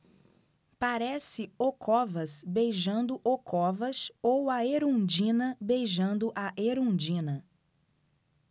parece o covas beijando o covas ou a erundina beijando a erundina